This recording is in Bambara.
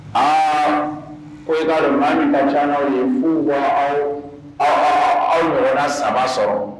A ko'a dɔn maa minba ca aw ye fu wa aw ɔ aw nana saba sɔrɔ